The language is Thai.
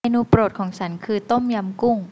เมนูโปรดของฉันคือต้มยำกุ้ง